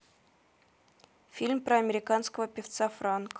фильм про американского певца франк